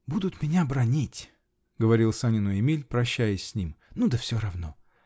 -- Будут меня бранить, -- говорил Санину Эмиль, прощаясь с ним, -- ну да все равно!